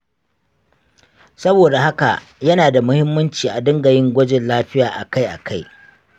saboda haka, yana da muhimmanci a dinga yin gwajin lafiya akai-akai.